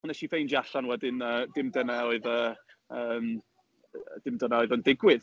Ond wnes i ffeindio allan wedyn na dim dyna oedd y yym... dim dyna oedd yn digwydd.